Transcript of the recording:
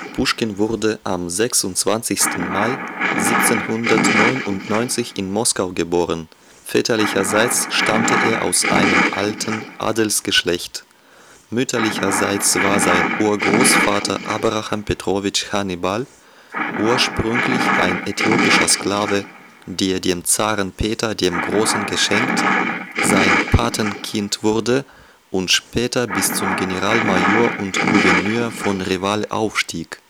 Puschkin wurde am 26. Mai 1799 in Moskau geboren. Väterlicherseits stammte er aus einem alten Adelsgeschlecht. Mütterlicherseits war sein Urgroßvater Abraham Petrowitsch Hannibal, ursprünglich ein äthiopischer Sklave, der dem Zaren Peter dem Großen geschenkt, sein Patenkind wurde und später bis zum Generalmajor und Gouverneur von Reval aufstieg